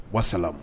Wasa